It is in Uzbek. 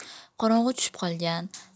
q orong'i tushib qolgan